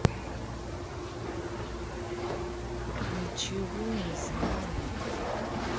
ничего не знает